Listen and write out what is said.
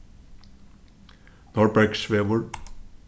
norðbergsvegur